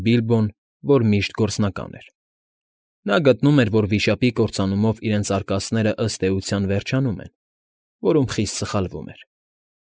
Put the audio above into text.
Բիլբոն, որ միշտ գործնական էր։ Նա գտնում էր, որ վիշապի կործանումով իրենց արկածներն ըստ էության վերջանում են (որում խիստ սխալվում էր)։